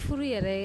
Furu yɛrɛ